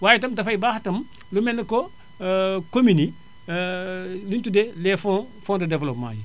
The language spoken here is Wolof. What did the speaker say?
waaye itam dafay baax itam lu mel ni que communes yi li ñu tuddee les fonds fonds de développement yi